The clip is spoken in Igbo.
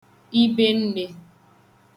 ibennē